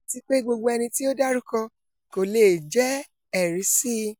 'Àtipe gbogbo ẹnití ó dárúkọ̀ kò leè jẹ́ ẹ̀ri sí i.